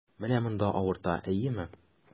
Менә монда авырта, әйеме?